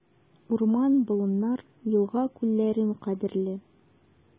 Урман-болыннар, елга-күлләрем кадерле.